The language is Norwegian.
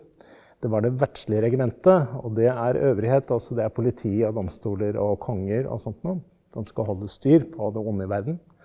det var det verdslige regimentet og det er øvrighet altså det er politiet og domstoler og konger og sånt noe som skal holde styr på det onde i verden.